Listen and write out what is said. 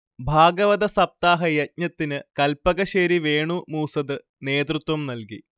ഭാഗവതസപ്താഹ യജ്ഞത്തിന് കല്പകശ്ശേരി വേണു മൂസ്സത് നേതൃത്വം നൽകി